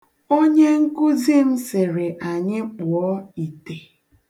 Onyenkuzi m sịrị anyị kpụọ ite.